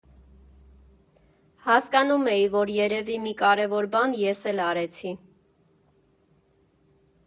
Հասկանում էի, որ երևի մի կարևոր բան ես էլ արեցի։